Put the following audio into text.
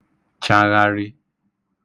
chāghārị̄